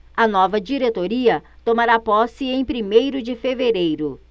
a nova diretoria tomará posse em primeiro de fevereiro